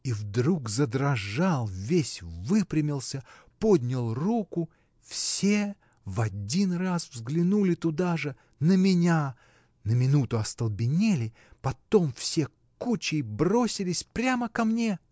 и вдруг задрожал, весь выпрямился, поднял руку: все в один раз взглянули туда же, на меня — на минуту остолбенели, потом все кучей бросились прямо ко мне.